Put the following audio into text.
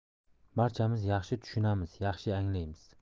barchamiz yaxshi tushunamiz yaxshi anglaymiz